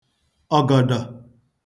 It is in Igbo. ọgọdọ